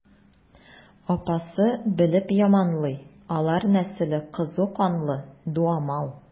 Апасы белеп яманлый: алар нәселе кызу канлы, дуамал.